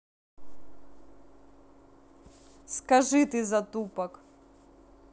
скажи ты затупок